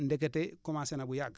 ndekete commencé na bu yàgg